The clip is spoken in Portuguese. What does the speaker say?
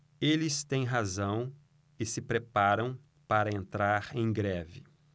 eles têm razão e se preparam para entrar em greve